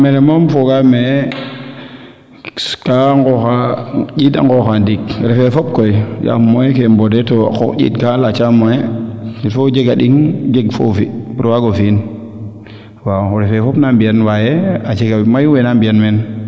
i mene moom fogaame ka ngooxa njiind a ngooxa ndiing refe fop koy yaam moyen ke mbode to a qooq njind kaa laaca moyen il faut o jega nding jeg foofi pour o waago fi'in waaw refe fop na mbiyan waye a jega mayu weena mbiyan meen